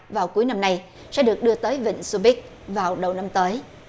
vào cuối năm nay sẽ được đưa tới vịnh su bích vào đầu năm tới